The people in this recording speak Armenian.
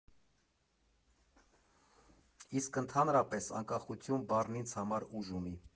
Իսկ ընդհանրապես, անկախություն բառն ինձ համար ուժ ունի.